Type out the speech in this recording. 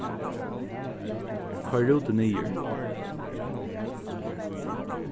koyr rútin niður